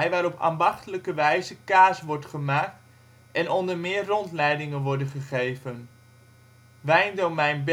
waar op ambachtelijke wijze kaas wordt gemaakt en onder meer rondleidingen worden gegeven. Wijndomein